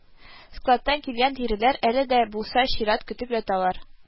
Складтан килгән тиреләр әле дә булса чират көтеп яталар